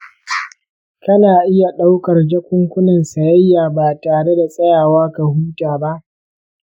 kana iya ɗaukar jakunkunan sayayya ba tare da tsayawa ka huta ba?